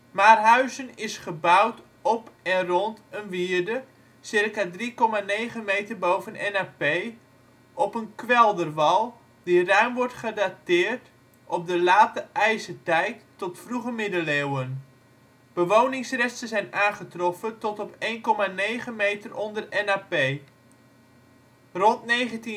Maarhuizen is gebouwd op en rond een wierde (ca. 3,9 meter boven NAP) op een kwelderwal, die ruim wordt gedateerd op de Late IJzertijd tot Vroege Middeleeuwen. Bewoningsresten zijn aangetroffen tot op 1,9 meter onder NAP. Rond 1936